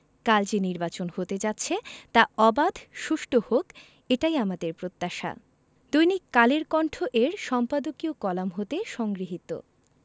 কাল যে নির্বাচন হতে যাচ্ছে তা অবাধ সুষ্টু হোক এটাই আমাদের প্রত্যাশা দৈনিক কালের কণ্ঠ এর সম্পাদকীয় কলাম হতে সংগৃহীত